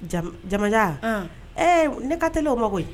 Jam jamajaan annn ee w ne ka teli o ma koyi